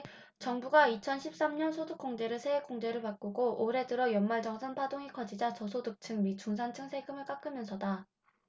정부가 이천 십 삼 년 소득공제를 세액공제로 바꾸고 올해 들어 연말정산 파동이 커지자 저소득층 및 중산층 세금을 깎으면서다